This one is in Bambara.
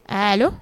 Aa